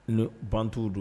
N ban t'o don